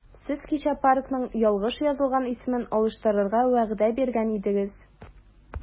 Сез кичә паркның ялгыш язылган исемен алыштырырга вәгъдә биргән идегез.